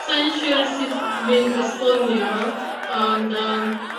Sai'n siŵr sud fi'n esbonio ond yym,